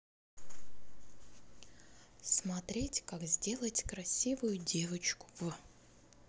смотреть как сделать красивую девочку в